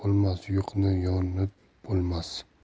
bo'lmas yo'qni yo'nib bo'lmas